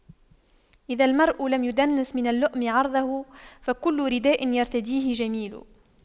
إذا المرء لم يدنس من اللؤم عرضه فكل رداء يرتديه جميل